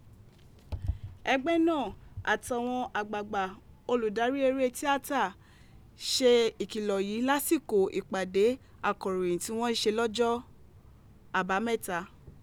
Ẹgbẹ náà atawọn agbaagbaa oludari ere tiata ṣe ikilọ yii lasiko ipade akọroyin ti wọn ṣe lọjọ Abamẹta.